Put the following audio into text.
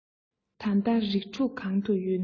ད ལྟ རིགས དྲུག གང དུ ཡོད ན